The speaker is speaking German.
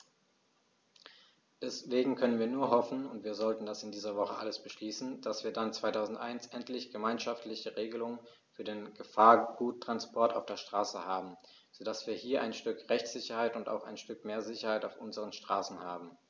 Deswegen können wir nur hoffen - und wir sollten das in dieser Woche alles beschließen -, dass wir dann 2001 endlich gemeinschaftliche Regelungen für den Gefahrguttransport auf der Straße haben, so dass wir hier ein Stück Rechtssicherheit und auch ein Stück mehr Sicherheit auf unseren Straßen haben.